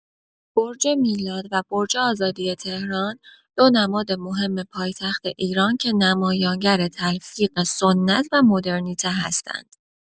برج میلاد و برج آزادی تهران، دو نماد مهم پایتخت ایران که نمایانگر تلفیق سنت و مدرنیته هستند.